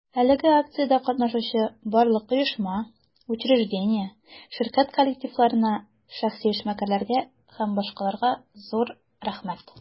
Әлеге акциядә катнашучы барлык оешма, учреждение, ширкәт коллективларына, шәхси эшмәкәрләргә һ.б. зур рәхмәт!